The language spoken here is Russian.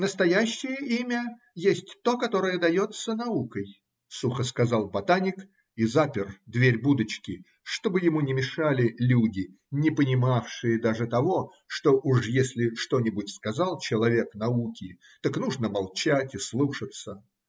– Настоящее имя есть то, которое дается наукой, – сухо сказал ботаник и запер дверь будочки, чтобы ему не мешали люди, не понимавшие даже того, что уж если что-нибудь сказал человек науки, так нужно молчать и слушаться.